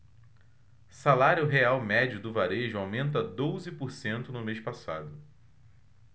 salário real médio do varejo aumenta doze por cento no mês passado